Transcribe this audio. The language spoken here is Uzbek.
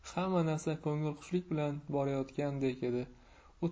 hamma narsa kongilxushlik bilan borayotgandek edi